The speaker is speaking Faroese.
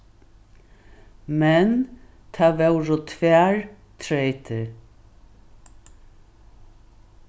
men tað vóru tvær treytir